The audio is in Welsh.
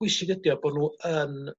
bwysig ydi o bo' nw yn